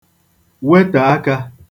wetà akā